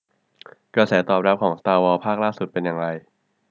กระแสตอบรับของสตาร์วอร์ภาคล่าสุดเป็นอย่างไร